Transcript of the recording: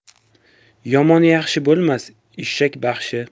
yomon yaxshi bo'lmas eshak baxshi